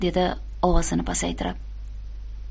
dedi ovozini pasaytirib